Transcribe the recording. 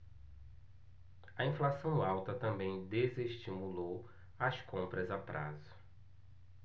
a inflação alta também desestimulou as compras a prazo